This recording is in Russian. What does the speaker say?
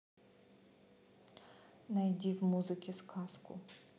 найди в музыке сказку